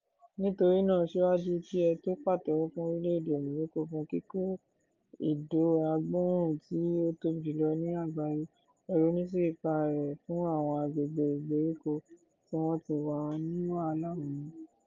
Nítorí náà síwájú kí ẹ tó pàtẹ́wọ́ fún orílẹ̀ èdè Morocco fún kíkọ́ ìdó agbòòrùn tí ó tóbi jùlọ ní àgbáyé, ẹ ronú sí ipá rẹ̀ fún àwọn agbègbè ìgbèríko tí wọ́n ti ń ní wàhálà omi.